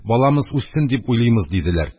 Баламыз үссен дип уйлыймыз», – диделәр